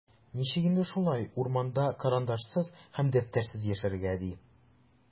Ничек инде шулай, урманда карандашсыз һәм дәфтәрсез яшәргә, ди?!